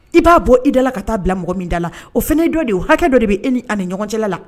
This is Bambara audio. I b'a bɔ i da la ka taa bila mɔgɔ min da la o fana ye dɔ de ye o, hakɛ dɔ de bɛ e ni ani ɲɔgɔn cɛla la.